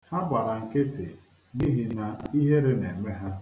Ha gbara nkịtị n'ihi na ihere na-eme ha.